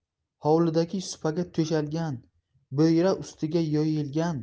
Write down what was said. hovlidagi supaga to'shalgan bo'yra ustiga yoyilgan